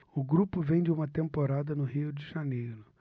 o grupo vem de uma temporada no rio de janeiro